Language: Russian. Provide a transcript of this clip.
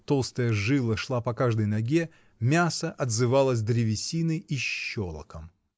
толстая жила шла по каждой ноге, мясо отзывалось древесиной и щелоком.